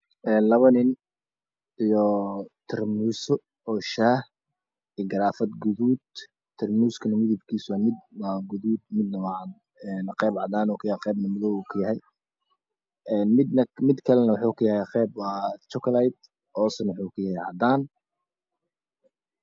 Ee laba nin iyo tarmuusho oo shaah iyo garaafad guduud tarmuusaha midabkodu waa guduud midna waa cadaan qayb cadaanuu ka yahay qaybna madowuu kayahay midlkalana waxa uu ka kobanyahay jokolayt hoosna waxaa uu kayahay cadaan